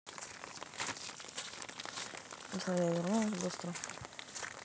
джой я вернулась я быстро